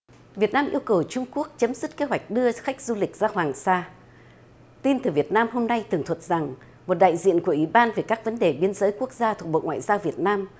việt nam yêu cầu trung quốc chấm dứt kế hoạch đưa khách du lịch ra hoàng sa tin từ việt nam hôm nay tường thuật rằng một đại diện của ủy ban về các vấn đề biên giới quốc gia thuộc bộ ngoại giao việt nam